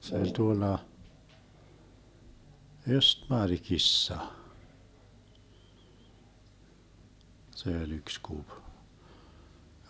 se oli tuolla Östmarkissa se oli yksi kupi